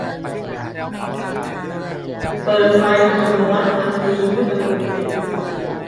เปิดไฟอัตโนมัติทันทีเมื่อประตูปิด